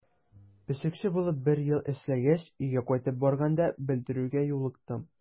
Пешекче булып бер ел эшләгәч, өйгә кайтып барганда белдерүгә юлыктым.